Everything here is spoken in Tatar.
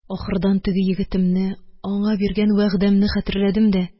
Ахырдан теге егетемне, аңарга биргән вәгъдәмне хәтерләдем дә